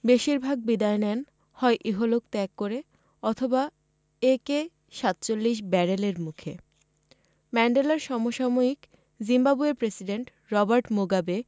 বেশির ভাগ বিদায় নেন হয় ইহলোক ত্যাগ করে অথবা একে ৪৭ ব্যারেলের মুখে ম্যান্ডেলার সমসাময়িক জিম্বাবুয়ের প্রেসিডেন্ট রবার্ট মুগাবে